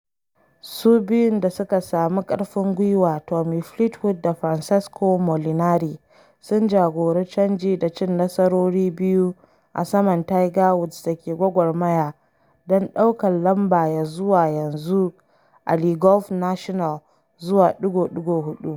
Su biyun da suka sami ƙarfin gwiwa Tommy Fleetwood da Francesco Molinari sun jagori canji da cin nasarori biyu a saman Tiger Woods da ke gwagwarmaya don ɗaukan lamba ya zuwa yanzu a Le Golf National zuwa ɗigo-ɗigo huɗu.